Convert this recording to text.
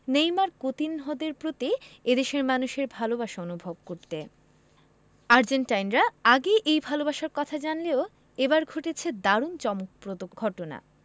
Neymar কুতিনহোদের প্রতি এ দেশের মানুষের ভালোবাসা অনুভব করতে আর্জেন্টাইনরা আগেই এই ভালোবাসার কথা জানলেও এবার ঘটেছে দারুণ চমকপ্রদ ঘটনা